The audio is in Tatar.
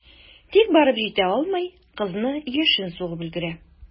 Тик барып җитә алмый, кызны яшен сугып өлгерә.